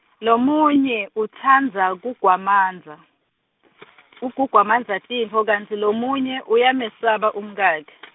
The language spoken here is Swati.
lomunye, utsandza kugwamandza, kugwamandza tinfto kantsi lomunye, uyamesaba umkakhe .